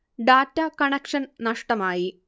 data connection നഷ്ടമായി